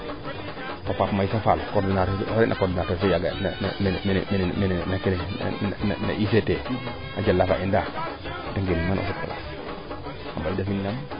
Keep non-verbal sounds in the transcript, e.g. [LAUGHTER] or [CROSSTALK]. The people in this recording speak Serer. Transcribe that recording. Pape Maissa Fall oxe reend ina coordinateur [HESITATION] neeke na UGT a jala fo ENDA a dimle a in mene xetola